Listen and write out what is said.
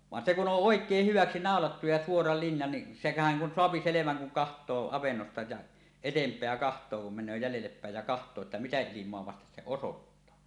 vaan se kun on oikein hyväksi naulattu ja suora linja niin sehän kun saa selvän kun katsoo avannosta ja eteenpäin katsoo kun menee jäljelle päin ja katsoo että mitä ilmaa vasten se osoittaa